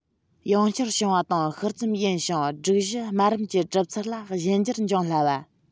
ཡང བསྐྱར བྱུང བ དང ཤུལ ཙམ ཡིན ཞིང སྒྲིག གཞི དམའ རིམ གྱི གྲུབ ཚུལ ལ གཞན འགྱུར འབྱུང སླ བ